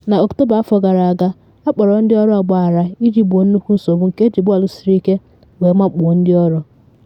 N’ọktoba afọ gara aga akpọrọ ndị ọrụ ọgbaghara iji gboo nnukwu nsogbu nke eji bọọlụ siri ike wee makpuo ndị ọrụ.